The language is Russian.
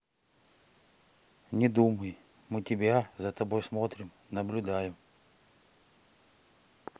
не думай мы тебя за тобой смотрим наблюдаем